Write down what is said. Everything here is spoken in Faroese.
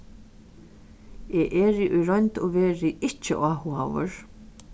eg eri í roynd og veru ikki so áhugaður